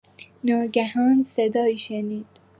ناگهان صدایی شنید.